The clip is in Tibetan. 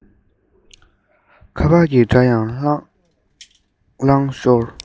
ཁ པར གྱི སྒྲ སླར ཡང གྲགས བྱུང